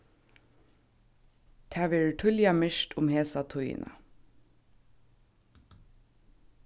tað verður tíðliga myrkt um hesa tíðina